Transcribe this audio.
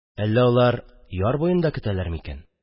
Әллә алар яр буенда көтәләр микән?